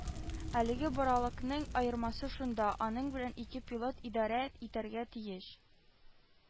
Әлеге боралакның аермасы шунда: аның белән ике пилот идәрә итәргә тиеш